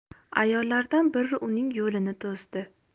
ayollardan biri uning yo'lini to'sdi